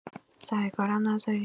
سر کارم نذاری.